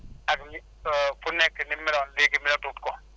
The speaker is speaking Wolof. ak ni fu nekk ni mu meloon léegi melatul ko